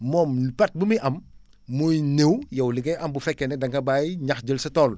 moom perte bu muy am mooy néew yow li ngay am bu fekkee ne da nga bàyyi ñax jël sa tool